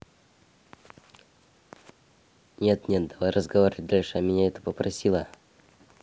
нет нет давай разговаривать дальше а мне это попросила